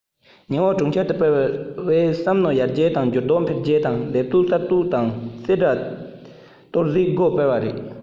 ཉིང པོ གྲོང ཁྱེར དུ སྤེལ བའི བས བསམ བློ ཡར རྒྱས དང འགྱུར ལྡོག འཕེལ རྒྱས དང ལས གཏོད གསར གཏོད དང རྩེ གྲ གཏོད བྱེད སྒོ སྤེལ བ རེད